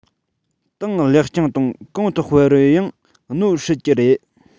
ཏང ལེགས སྐྱོང དང གོང དུ སྤེལ བར ཡང གནོད སྲིད ཀྱི རེད